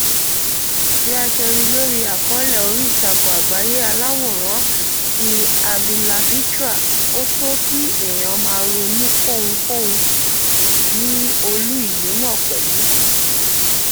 Bí a ṣe ríi lórí àkọọ́lẹ̀ oríìtakùn àgbáyé aláwòrán ti avylavitra, ó tọ́ kí èèyàn máa ronú kọ́hunkọ́hun ní olú-ìlú náà pẹ̀lú.